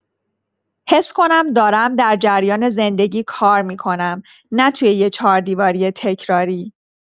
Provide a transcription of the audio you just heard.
حس کنم دارم در جریان زندگی کار می‌کنم، نه توی یه چهاردیواری تکراری.